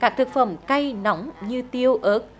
các thực phẩm cay nóng như tiêu ớt